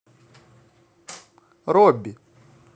робби